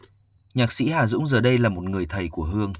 nhạc sĩ hà dũng giờ đây là một người thầy của hương